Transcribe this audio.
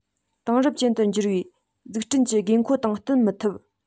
དེང རབས ཅན དུ འགྱུར བའི འཛུགས སྐྲུན གྱི དགོས མཁོ དང བསྟུན མི ཐུབ